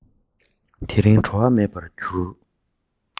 དེ རིང བྲོ བ མེད པར འགྱུར